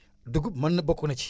dugub mën na bokk na ci